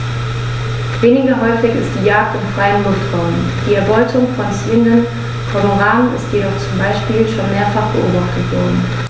Weniger häufig ist die Jagd im freien Luftraum; die Erbeutung von ziehenden Kormoranen ist jedoch zum Beispiel schon mehrfach beobachtet worden.